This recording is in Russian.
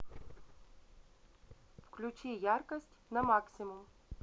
включи яркость на максимум